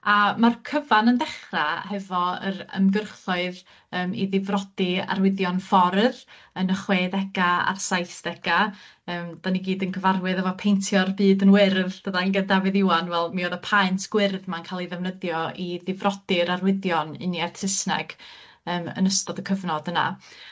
a ma'r cyfan yn dechra hefo yr ymgyrchoedd yym i ddifrodi arwyddion ffordd yn y chwedega a'r saithdega yym 'dan ni gyd yn cyfarwydd efo paentio'r byd yn wyrdd, dydan, gyn Dafydd Iwan, wel mi o'dd y paent gwyrdd 'ma'n ca'l 'i ddefnyddio i ddifrodi'r arwyddion uniath Sysnag yym yn ystod y cyfnod yna.